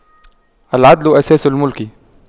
العدل أساس الْمُلْك